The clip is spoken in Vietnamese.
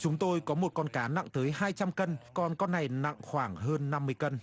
chúng tôi có một con cá nặng tới hai trăm cân còn con này nặng khoảng hơn năm mươi cân